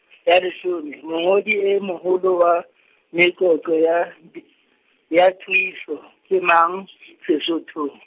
ya leshome, mongodi e moholo wa, meqoqo ya d-, ya puiso ke mang, Sesothong?